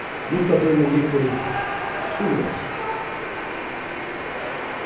lítla dímun liggur suðureftir